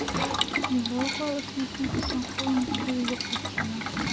Неврологлар үсмернең исән калу мөмкинлеге юк диеп ышана.